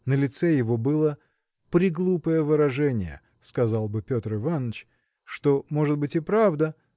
На лице его было преглупое выражение сказал бы Петр Иваныч что может быть и правда